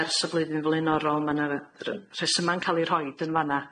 ers y flwyddyn flaenorol ma' na r- r- rhesyma'n ca'l ei rhoid yn fan'a.